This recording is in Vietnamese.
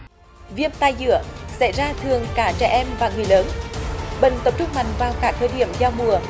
viêm tai giữa xảy ra thường cả trẻ em và người lớn bệnh tập trung mạnh vào các thời điểm giao mùa